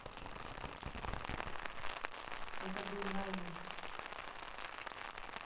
это был rayman